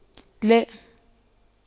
لا